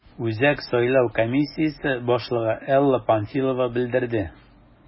Үзәк сайлау комиссиясе башлыгы Элла Памфилова белдерде: